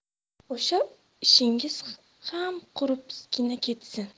o'sha ishingiz ham quribgina ketsin